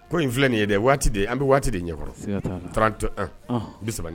Ko in filɛ nin ye dɛ waatiden an bɛ waati de ɲɛkɔrɔ t to bi sabali